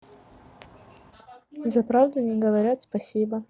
за правду не говорят спасибо